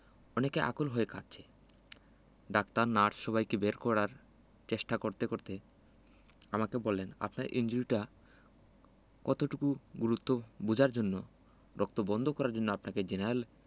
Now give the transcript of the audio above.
অনেকে আকুল হয়ে কাঁদছে ডাক্তার নার্স সবাইকে বের করার চেষ্টা করতে করতে আমাকে বললেন আপনার ইনজুরিটা কতটুকু গুরুতর বোঝার জন্যে রক্ত বন্ধ করার জন্যে আপনাকে জেনারেল